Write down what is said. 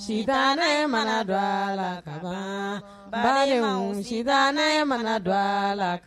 Sisan ne mana dɔgɔ a la balima si ne mana dɔgɔ a la